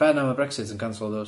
Ben am y Brexit yn cancellors.